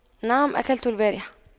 نعم أكلت البارحة